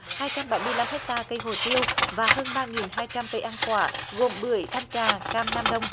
hai trăm bảy mươi lăm héc ta cây hồ tiêu và hơn ba nghìn hai trăm cây ăn quả gồm bưởi thanh trà cam nam đông